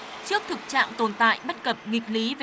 trước thực trạng tồn tại bất cập nghịch lý